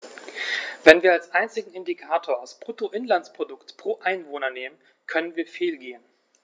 Wenn wir als einzigen Indikator das Bruttoinlandsprodukt pro Einwohner nehmen, können wir fehlgehen.